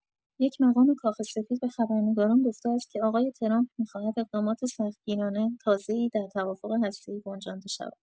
یک مقام کاخ سفید به خبرنگاران گفته است که آقای ترامپ می‌خواهد اقدامات سختگیرانه تازه‌ای در توافق هسته‌ای گنجانده شود.